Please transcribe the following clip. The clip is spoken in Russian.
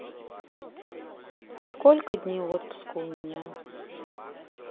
сколько дней отпуска у меня